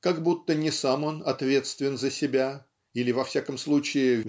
Как будто не сам он ответствен за себя или во всяком случае